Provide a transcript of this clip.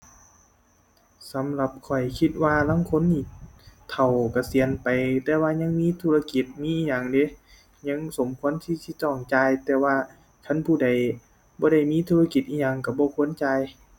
สำหรับข้อยคิดว่าลางคนนี่ เฒ่า เกษียณไปแต่ว่ายังมีธุรกิจ มีอิหยังเดะ ยังสมควรที่สิต้องจ่าย แต่ว่าคันผู้ใดบ่ได้มีธุรกิจอิหยังก็บ่ควรจ่าย